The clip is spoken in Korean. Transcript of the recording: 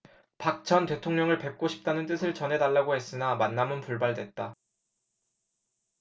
박 전 대통령을 뵙고 싶다는 뜻을 전해달라고 했으나 만남은 불발됐다